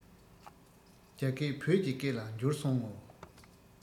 རྒྱ སྐད བོད ཀྱི སྐད ལ འགྱུར སོང ངོ